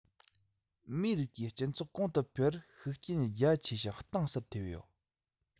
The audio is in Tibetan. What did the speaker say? མིའི རིགས ཀྱི སྤྱི ཚོགས གོང དུ འཕེལ བར ཤུགས རྐྱེན རྒྱ ཆེ ཞིང གཏིང ཟབ ཐེབས ཡོད